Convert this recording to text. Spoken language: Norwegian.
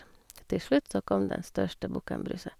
Til slutt så kom den største bukken Bruse.